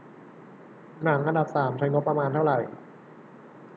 หนังอันดับสามใช้งบประมาณเท่าไหร่